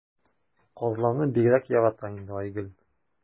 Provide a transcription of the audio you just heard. Казларны бигрәк ярата инде Айгөл.